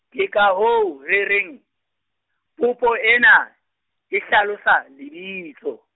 ke ka hoo re reng, popo ena, e hlalosa, lebitso.